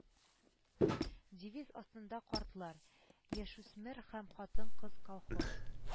Девиз астында картлар, яшүсмер һәм хатын-кыз колхоз